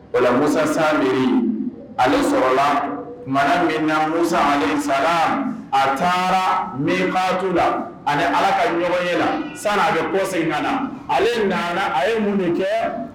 Walamusa ale sɔrɔla mara min na musa ale sara a taara min tun la ani ala ka ɲɔgɔn ye la san a bɛɔ sen na ale nana a ye mun de kɛ